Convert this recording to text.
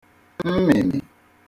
mmị̀mmị̀